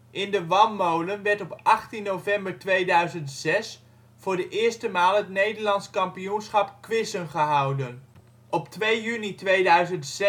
In De Wanmolen werd op 18 november 2006 voor de eerste maal het Nederlands kampioenschap quizzen gehouden. Op 2 juni 2007